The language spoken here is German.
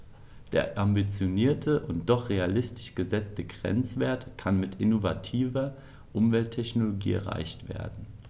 Der ambitionierte und doch realistisch gesetzte Grenzwert kann mit innovativer Umwelttechnologie erreicht werden.